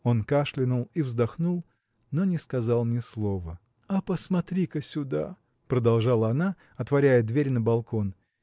Он кашлянул и вздохнул, но не сказал ни слова. – А посмотри-ка сюда – продолжала она отворяя дверь на балкон